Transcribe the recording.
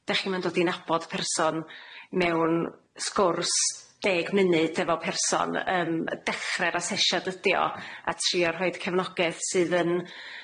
Dach chi'm yn dod i nabod person mewn sgwrs deg munud efo person, yym. Dechre'r asesiad ydi o, a trio rhoid cefnogeth sydd yn